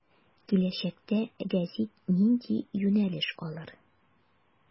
Киләчәктә гәзит нинди юнәлеш алыр.